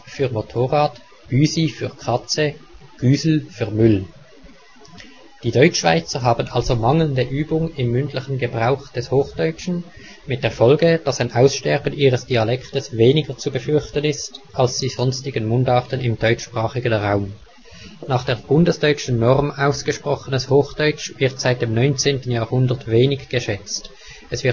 für " Motorrad ", Büsi für " Katze ", Güsel für " Müll "). Die Deutschschweizer haben also mangelnde Übung im mündlichen Gebrauch des Hochdeutschen mit der Folge, dass ein Aussterben ihres Dialektes weniger zu befürchten ist als die sonstigen Mundarten im deutschsprachigen Raum. Nach der bundesdeutschen Norm ausgesprochenes Hochdeutsch wird seit dem 19. Jahrhundert wenig geschätzt; es